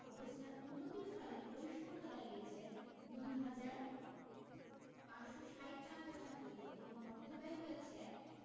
অবস্থার উন্নতির ফলে ওই সংখ্যা দাঁড়িয়েছে ২ হাজার ৫৬০ ছাত্রছাত্রীতে এবং অর্থব্যয় হয়েছে